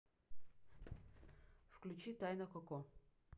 включи тайна коко